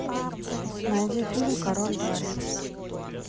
найти фильм король дворец